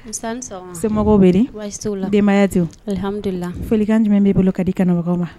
Denbaya folikan jum bɛ bolo ka di kabagaw ma